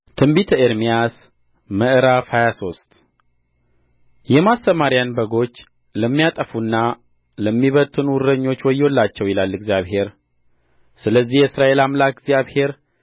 ትንቢተ ኤርምያስ ምዕራፍ ሃያ ሶስት የማሰማርያዬን በጎች ለሚያጠፉና ለሚበትኑ እረኞች ወዮላቸው ይላል እግዚአብሔር ስለዚህ የእስራኤል አምላክ እግዚአብሔር